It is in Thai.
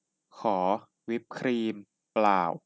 ขอวิปครีมเปล่า